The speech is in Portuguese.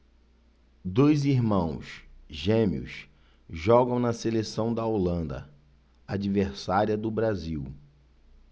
dois irmãos gêmeos jogam na seleção da holanda adversária do brasil